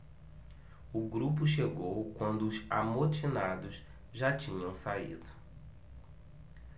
o grupo chegou quando os amotinados já tinham saído